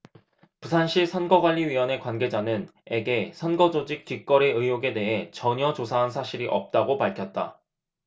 부산시선거관리위원회 관계자는 에게 선거조직 뒷거래의혹에 대해 전혀 조사한 사실이 없다고 밝혔다